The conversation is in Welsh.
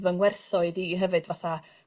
fy ngwerthoedd hi hefyd fatha...